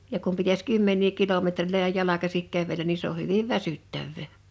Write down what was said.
ja kun pitäisi kymmeniä kilometrejä jalkaisin kävellä niin se on hyvin väsyttävää